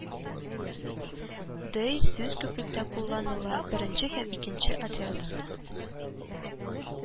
Дый сүз күплектә кулланыла: беренче һәм икенче отряд